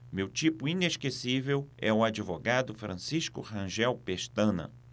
meu tipo inesquecível é o advogado francisco rangel pestana